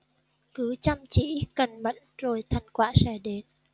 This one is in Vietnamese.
cứ chăm chỉ cần mẫn rồi thành quả sẽ đến